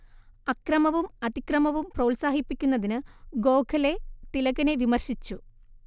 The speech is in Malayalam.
അക്രമവും അതിക്രമവും പ്രോത്സാഹിപ്പിക്കുന്നതിനു ഗോഖലെ തിലകിനെ വിമർശിച്ചു